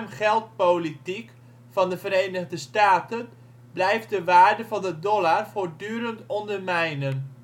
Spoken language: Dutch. geld politiek van de Verenigde Staten blijft de waarde van de dollar voortdurend ondermijnen